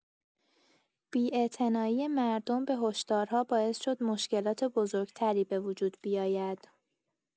بی‌اعتنایی مردم به هشدارها باعث شد مشکلات بزرگ‌تری به وجود بیاید.